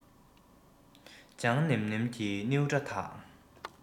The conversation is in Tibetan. ལྗང ནེམ ནེམ གྱི ནེའུ སྐྲ དག